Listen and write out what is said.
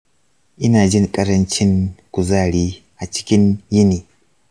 ina jin ƙarancin kuzari a cikin yini.